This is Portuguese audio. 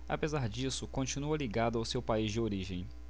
apesar disso continua ligado ao seu país de origem